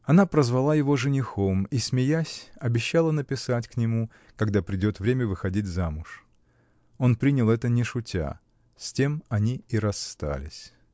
Она прозвала его женихом и, смеясь, обещала написать к нему, когда придет время выходить замуж. Он принял это не шутя. С тем они и расстались.